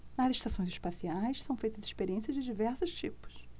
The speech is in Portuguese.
nas estações espaciais são feitas experiências de diversos tipos